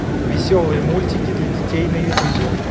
веселые мультики для детей на ютубе